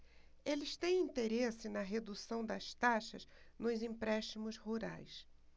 eles têm interesse na redução das taxas nos empréstimos rurais